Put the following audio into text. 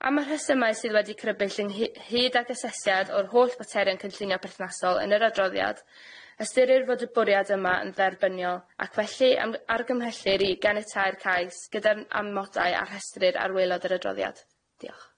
Am y rhesymau sydd wedi crybyll ynghy- hyd ag asesiad o'r holl materion cynllunio perthnasol yn yr adroddiad, ystyrir fod y bwriad yma yn dderbyniol, ac felly am- argymhellir i ganiatáu'r cais gyda'r amodau a rhestrir ar waelod yr adroddiad. Diolch.